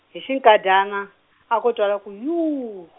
hi xinkadyana, a ko twakala ku yuu.